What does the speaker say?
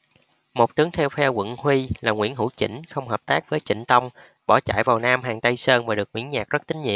một tướng theo phe quận huy là nguyễn hữu chỉnh không hợp tác với trịnh tông bỏ chạy vào nam hàng tây sơn và được nguyễn nhạc rất tín nhiệm